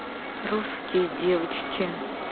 русские девочки